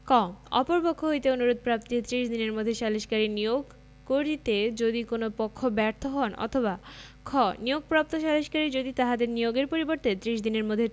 ক অপর পক্ষ হইতে অনুরোধ প্রাপ্তির ত্রিশ দিনের মধ্যে সালিসকারী নিয়োগ করিতে যদি কোন পক্ষ ব্যর্থ হন অথবা খ নিয়োগপ্রাপ্ত সালিসকারী যদি তাহাদের নিয়োগের পরবর্তি ত্রিশ দিনের মধ্যে